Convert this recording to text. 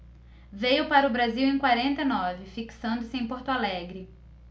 veio para o brasil em quarenta e nove fixando-se em porto alegre